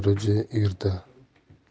sher xuruji erda